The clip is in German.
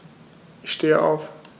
Ich stehe auf.